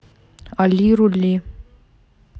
али рули